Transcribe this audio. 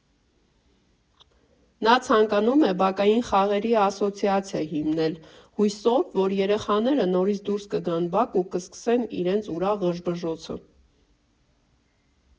Նա ցանկանում է բակային խաղերի ասոցիացիա հիմնել՝ հույսով, որ երեխաները նորից դուրս կգան բակ ու կսկսեն իրենց ուրախ ղժբժոցը։